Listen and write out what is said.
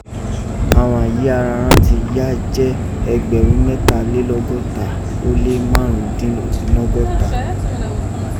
àghan yìí ara ghan ti ya jẹ́ ẹgbẹrun mẹtalenọgọta ó lé marundẹ́n nọgọ́ta.